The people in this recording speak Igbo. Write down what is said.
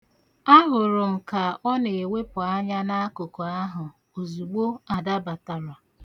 Ahụrụ m ka ọ na-ewepu anya n'akụkụ ahụ ozigbo Ada batara.